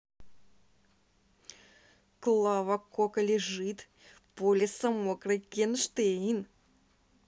клава кока лежит полиса мокрый генштейн